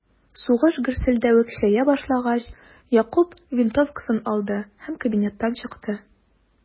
Сугыш гөрселдәве көчәя башлагач, Якуб винтовкасын алды һәм кабинеттан чыкты.